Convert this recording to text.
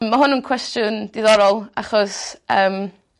Ma' hwn yn cwestiwn diddorol achos yym